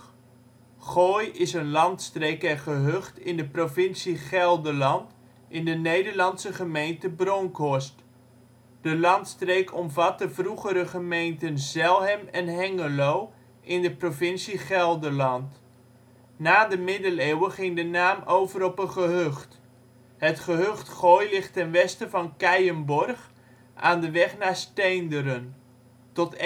Gooi is een landstreek en gehucht in de provincie Gelderland in de Nederlandse gemeente Bronckhorst. De landstreek omvat de vroegere gemeenten Zelhem en Hengelo in de provincie Gelderland. Na de Middeleeuwen ging de naam over op een gehucht. Het gehucht Gooi ligt ten westen van Keijenborg, aan de weg naar Steenderen. Tot